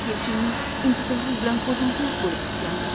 kelishingni intizorlik bilan ko'zim to'rt bo'lib kutgandim